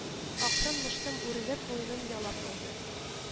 Акрын-мыштым үрелеп, муенын ялап алды